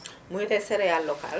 muy les céréales locales